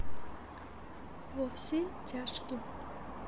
во все тяжкие